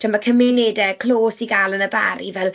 Timod, mae cymunedau clòs i gael yn Y Bari, fel...